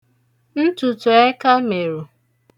ntụ̀tụ̀akẹmèrù